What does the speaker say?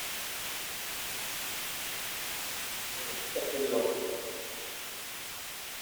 เหมือนจะเป็นลม